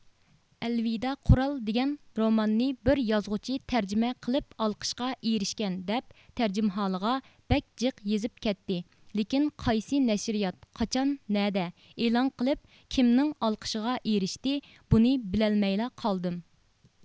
ئەلۋىدا قۇرال دىگەن روماننى بىر يازغۇچى تەرجىمە قىلىپ ئالقىشقا ئېرىشكەن دەپ تەرجىمھالىغا بەك جىق يېزىپ كەتتى لېكىن قايسى نەشىرىيات قاچان نەدە ئېلان قىلىپ كىمنىڭ ئالقىشىغا ئېرىشتى بۇنى بىلەلمەيلا قالدىم